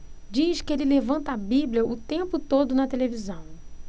diz que ele levanta a bíblia o tempo todo na televisão